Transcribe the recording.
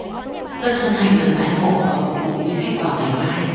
rất hân hạnh được tái ngộ và phục vụ quý khách vào ngày mai